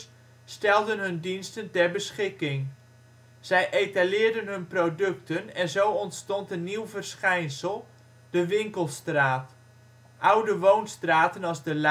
stelden hun diensten ter beschikking. Zij etaleerden hun producten en zo ontstond een nieuw verschijnsel: de winkelstraat. Oude woonstraten als de Laanstraat